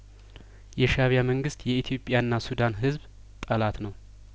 የሻእቢያ መንግስት የኢትዮጵያ ና ሱዳን ህዝብ ጠላት ነው